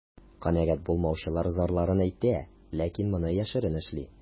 Канәгать булмаучылар зарларын әйтә, ләкин моны яшерен эшли.